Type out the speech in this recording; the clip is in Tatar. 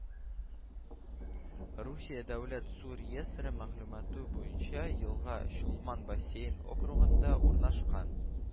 Русия дәүләт су реестры мәгълүматы буенча елга Чолман бассейн округында урнашкан